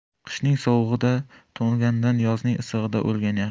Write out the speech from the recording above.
qishning sovug'ida to'ngandan yozning issig'ida o'lgan yaxshi